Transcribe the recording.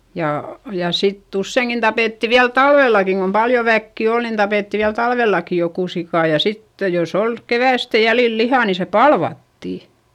ja ja sitten useinkin tapettiin vielä talvellakin kun paljon väkeä oli niin tapettiin vielä talvellakin joku sika ja sitten jos oli keväästä jäljillä lihaa niin se palvattiin